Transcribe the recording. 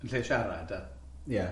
Yn lle siarad a. Ia.